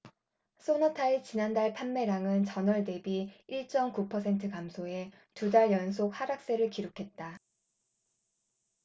쏘나타의 지난달 판매량은 전월 대비 일 쩜 구 퍼센트 감소해 두 달 연속 하락세를 기록했다